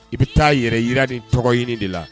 I bɛ taa yɛrɛ yira nin tɔgɔɲini de la